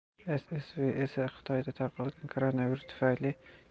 ssv esa xitoyda tarqalgan koronavirus